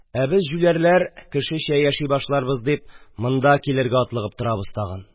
Ә без, юләрләр, кешечә яши башларбыз дип, монда килергә атлыгып торабыз тагын!..